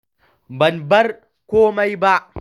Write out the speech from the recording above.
“Ban bar komai ba.”